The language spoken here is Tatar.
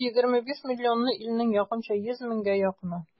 Бу егерме биш миллионлы илнең якынча йөз меңгә якыны.